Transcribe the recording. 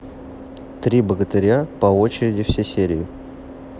три богатыря по очереди все серии